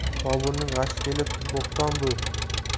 boburning g'ashi kelib bo'hton bu